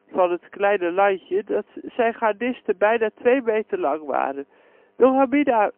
van het kleine landje dat zijn gardisten bijna twee meter lang waren. Wilhelmina